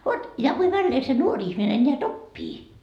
vot kuinka väleen se nuori ihminen näet oppii